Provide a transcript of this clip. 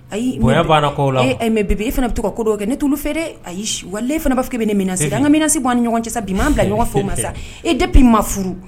Ayi banna la e fana bɛ to ka ko kɛ ne t tulu feere ayi wa fana b' k' bɛ ne minɛn an ka minɛnsin' ni ɲɔgɔn cɛ sa bi bila ɲɔgɔn sa e de'i ma furu